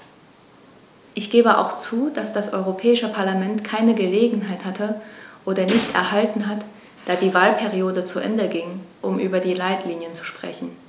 Ich gebe auch zu, dass das Europäische Parlament keine Gelegenheit hatte - oder nicht erhalten hat, da die Wahlperiode zu Ende ging -, um über die Leitlinien zu sprechen.